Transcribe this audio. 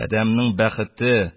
Адәмнең бәхете,